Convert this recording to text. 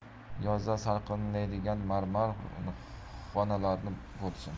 yozda salqinlaydigan marmar xo nalari bo'lsin